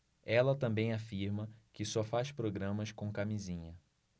ela também afirma que só faz programas com camisinha